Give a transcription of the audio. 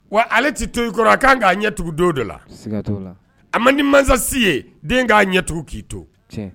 Wa ale tɛ to i kɔrɔ a kan k'a ɲɛ tugu don dɔ la, siga t'o la, a man di mansa si ye den k'a ɲɛ tugun k'i to, tiɲɛ